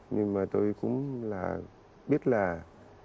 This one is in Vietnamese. nhưng mà tôi cũng là biết là